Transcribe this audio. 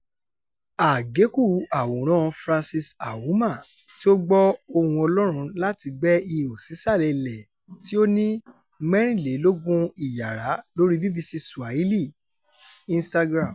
Àgékù àwòrán-an Francis Ouma, tí ó gbọ́ ohùn Ọlọ́run láti gbẹ́ ihò sísàlẹ̀ ilẹ̀ tí ó ní 24 ìyàrá lóríi BBC Swahili / Instagram.